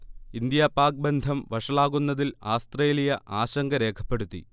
India Pak ബന്ധം വഷളാകുന്നതിൽ Australia ആശങ്ക രേഖപ്പെടുത്തി